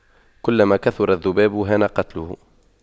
كلما كثر الذباب هان قتله